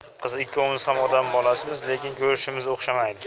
qiziq ikkovimiz ham odam bolasimiz lekin ko'rinishimiz o'xshamaydi